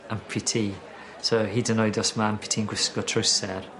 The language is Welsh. amputee. So hyd yn oed os ma' amputee'n gwisgo trwser